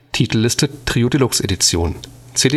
Titelliste Trio Deluxe Edition CD